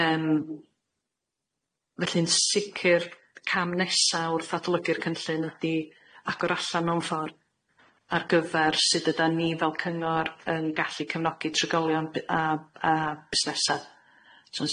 Yym felly'n sicir cam nesa wrth adolygu'r cynllun ydi agor allan mewn ffor' ar gyfer sud ydan ni fel cyngor yn gallu cefnogi tregolion b- a a busnesa so'n